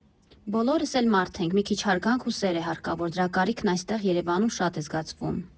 Բոլորս էլ մարդ ենք՝ մի քիչ հարգանք ու սեր է հարկավոր, դրա կարիքն այստեղ՝ Երևանում, շատ է զգացվում։